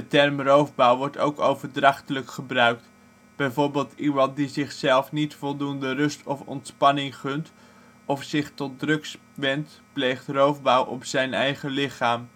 term roofbouw wordt ook overdrachtelijk gebruikt. Bijvoorbeeld iemand die zichzelf niet voldoende rust of ontspanning gunt of zich tot drugs wendt pleegt roofbouw op zijn eigen lichaam